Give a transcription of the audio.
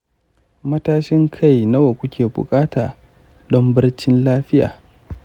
matashin kai nawa kuke buƙata don barci lafiya?